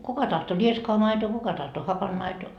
kuka tahtoi rieskaa maitoa kuka tahtoi hapanmaitoa